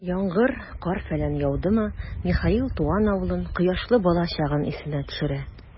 Яңгыр, кар-фәлән яудымы, Михаил туган авылын, кояшлы балачагын исенә төшерә.